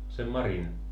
sen Marin